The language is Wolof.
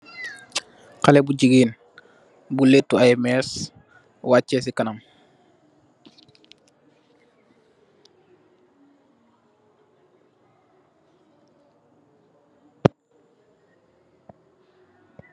Xale bu jigeen bu leetu ay mes, wace si kanam